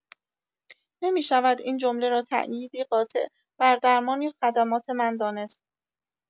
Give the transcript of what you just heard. نمی‌شود این جمله را تاییدی قاطع بر درمان یا خدمات من دانست.